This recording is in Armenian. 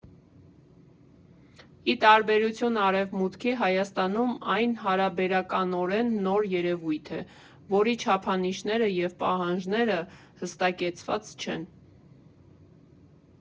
Ի տարբերություն Արևմուտքի, Հայաստանում այն հարաբերականորեն նոր երևույթ է, որի չափանիշները և պահանջները հստակեցված չեն։